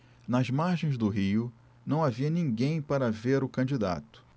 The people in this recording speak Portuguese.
nas margens do rio não havia ninguém para ver o candidato